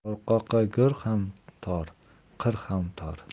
qo'rqoqqa go'r ham tor qir ham tor